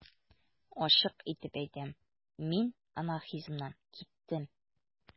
Ачык итеп әйтәм: мин анархизмнан киттем.